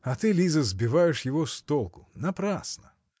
– А ты, Лиза, сбиваешь его с толку – напрасно!